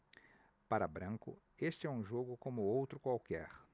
para branco este é um jogo como outro qualquer